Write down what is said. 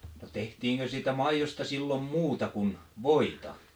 no tehtiinkö siitä maidosta silloin muuta kuin voita